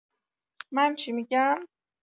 من چی می‌گم؟